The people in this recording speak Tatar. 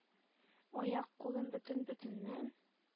Аяк-кулым бөтен бөтенен,